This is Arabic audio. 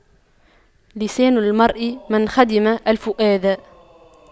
لسان المرء من خدم الفؤاد